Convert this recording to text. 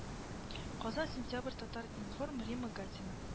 Казан сентябрь татар-информ римма гатина